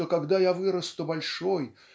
что когда я вырасту большой